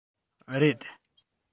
རེད